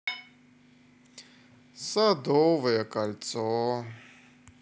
садовое кольцо